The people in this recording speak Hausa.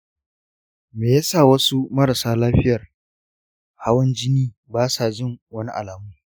me ya sa wasu marasa lafiyar hawan jini ba sa jin wani alamu?